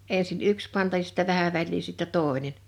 ensin yksi panta ja sitten vähän väliä sitten toinen